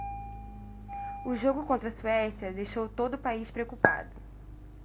o jogo contra a suécia deixou todo o país preocupado